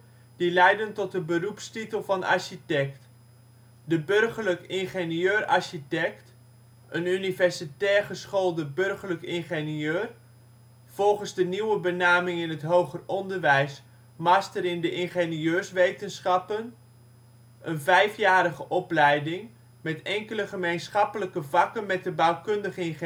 die leiden tot de beroepstitel van architect: De burgerlijk ingenieur-architect: een universitair geschoolde burgerlijk ingenieur (" ir "). Volgens de nieuwe benaming in het hoger onderwijs: " Master in de ingenieurswetenschappen ". Een vijfjarige opleiding, met enkele gemeenschappelijke vakken met de bouwkundig ir